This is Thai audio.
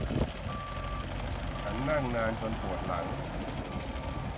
ฉันนั่งนานจนปวดหลัง